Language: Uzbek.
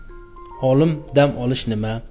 olim dam olish nima